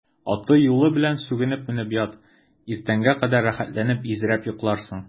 Аты-юлы белән сүгенеп менеп ят, иртәнгә кадәр рәхәтләнеп изрәп йокларсың.